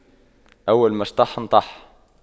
أول ما شطح نطح